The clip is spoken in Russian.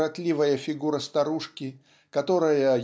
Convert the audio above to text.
сиротливая фигура старушки которая